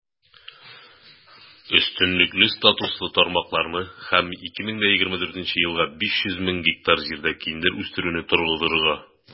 Өстенлекле статуслы тармакларны һәм 2024 елга 500 мең гектар җирдә киндер үстерүне торгызырга.